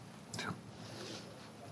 Ti iawn?